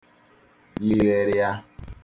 yigherịa